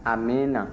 amiina